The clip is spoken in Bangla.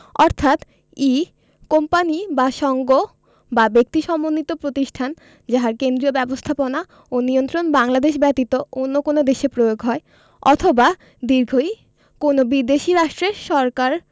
অর্থাৎ ই কোম্পানী বা সঙ্গ বা ব্যক্তি সমন্বিত প্রতিষ্ঠান যাহার কেন্দ্রীয় ব্যবস্থাপনা ও নিয়ন্ত্রণ বাংলাদেশ ব্যতীত অন্য কোন দেশে প্রয়োগ হয় অথবা ঈ কোন বিদেশী রাষ্ট্রের সরকার